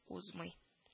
Узмый